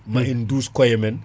ma en duus koyemen